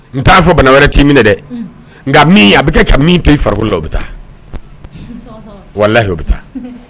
N t'a fɔ bana wɛrɛ ti minɛ dɛ nka a bɛ kɛ ka min i farikolola o bɛ taa walayi o bɛ taa